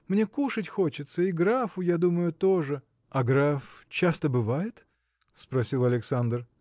мне кушать хочется, и графу, я думаю, тоже. – А граф. часто бывает?. – спросил Александр.